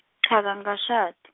cha kangikashadi.